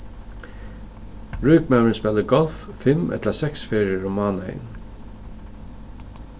ríkmaðurin spælir golf fimm ella seks ferðir um mánaðin